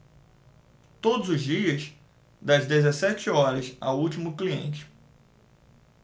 todos os dias das dezessete horas ao último cliente